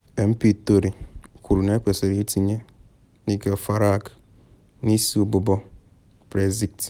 MP Tory kwuru na ekwesịrị itinye NIGEL FARAGE n’isi nke ụbụbọ Brexit